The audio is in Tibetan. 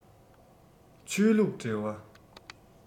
ཆོས ལུགས འབྲེལ བ